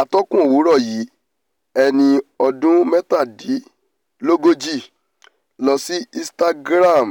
Atọ́kùn Òwúrọ̀ yìí, ẹni oḍún mẹ́tàdínlógòjì lọsí Instagram